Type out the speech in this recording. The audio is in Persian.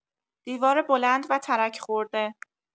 دیوار بلند و ترک‌خورده